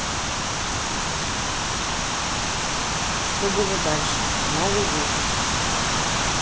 что было дальше новый выпуск